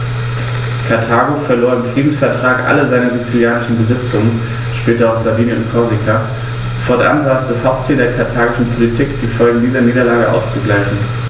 Karthago verlor im Friedensvertrag alle seine sizilischen Besitzungen (später auch Sardinien und Korsika); fortan war es das Hauptziel der karthagischen Politik, die Folgen dieser Niederlage auszugleichen.